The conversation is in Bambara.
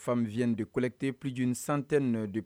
Fami2y de kuyalɛte ppjy sante n nɔ dep